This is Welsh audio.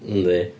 Yndi.